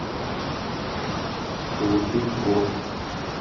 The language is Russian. получить код